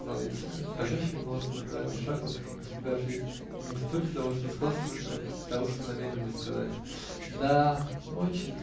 -- сказал я тихим, дрожащим голосом и прибавил шагу, испугавшись не столько того, что сказал, сколько того, что намерен был сказать. -- Да. очень!